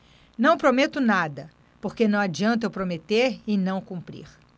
não prometo nada porque não adianta eu prometer e não cumprir